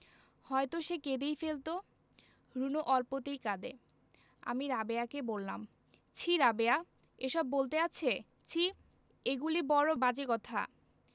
হয়তো সে কেঁদেই ফেলতো রুনু অল্পতেই কাঁদে আমি রাবেয়াকে বললাম ছিঃ রাবেয়া এসব বলতে আছে ছিঃ এগুলি বড় বাজে কথা